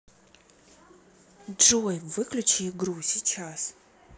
джой выключи игру сейчас